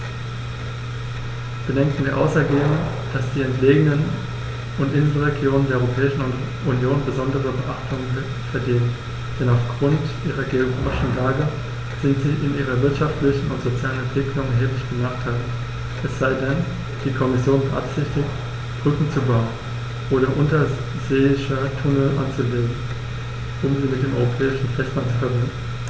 Bedenken wir außerdem, dass die entlegenen und Inselregionen der Europäischen Union besondere Beachtung verdienen, denn auf Grund ihrer geographischen Lage sind sie in ihrer wirtschaftlichen und sozialen Entwicklung erheblich benachteiligt - es sei denn, die Kommission beabsichtigt, Brücken zu bauen oder unterseeische Tunnel anzulegen, um sie mit dem europäischen Festland zu verbinden.